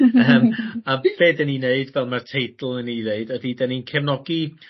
Yym a a be' be' 'dyn ni neud fel mae'r teitl yn 'i ddeud ydi 'dan ni'n cefnogi